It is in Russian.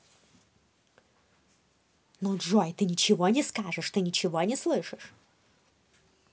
ну джой ты ничего не скажешь ты ничего не слышишь